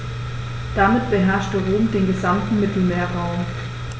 Damit beherrschte Rom den gesamten Mittelmeerraum.